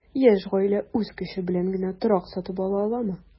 Яшь гаилә үз көче белән генә торак сатып ала аламы?